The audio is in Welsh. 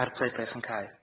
Ma'r pleidlais yn cau.